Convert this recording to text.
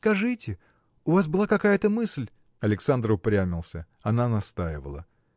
скажите: у вас была какая-то мысль? Александр упрямился. Она настаивала.